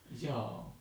jaa